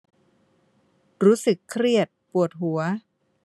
รู้สึกเครียดปวดหัว